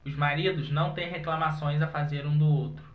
os maridos não têm reclamações a fazer um do outro